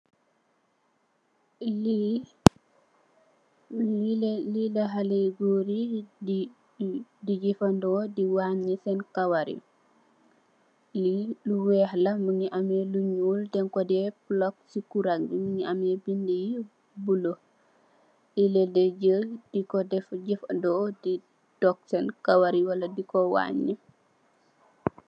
Lii, li la xalé yu goor yi, di jafëndeko, waañi seen kawar yi, lii lu weex la mu ngi amee lu ñuul, dang ko, Dee pulok si kuran bi, mu ngi amee bindë yu bulo, lii la dee jël di jafëndoo, di dog seen kawari Wala dikko, wañgi.